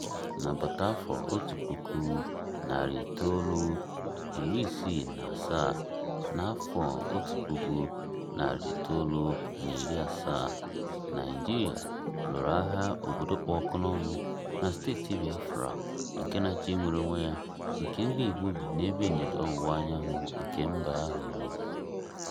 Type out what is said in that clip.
N'agbata afọ 1967 na afọ 1970, Naịjirịa lụrụ agha obodo kpụ ọkụ n'ọnụ na steeti Biafra nke na-achọ inwere onwe ya nke ndị Igbo bi n'ebe ndịda ọwụwa anyanwụ nke mba ahụ.